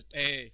eyyi